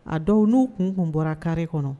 A dɔw n'u kun tun bɔra kari kɔnɔ